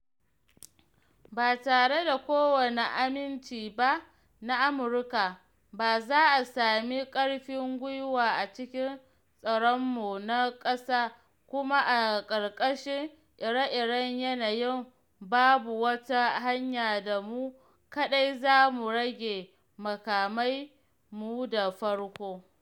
“Ba tare da kowane aminci ba na Amurka ba za a sami ƙarfin gwiwa a cikin tsaronmu na ƙasa kuma a ƙarƙashin ire-iren yanayin babu wata hanya da mu kaɗai za mu rage makamai mu da farko.”